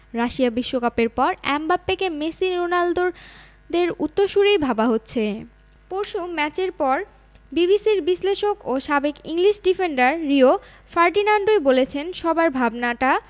Russia বিশ্বকাপের পর এমবাপ্পেকে মেসি রোনালদোদের উত্তরসূরিই ভাবা হচ্ছে পরশু ম্যাচের পর বিবিসির বিশ্লেষক ও সাবেক ইংলিশ ডিফেন্ডার রিও ফার্ডিনান্ডই বলেছেন সবার ভাবনাটা